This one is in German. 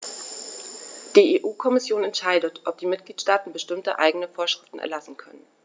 Die EU-Kommission entscheidet, ob die Mitgliedstaaten bestimmte eigene Vorschriften erlassen können.